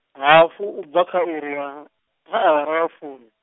hafu ubva kha iri ya, kha awara ya fumi.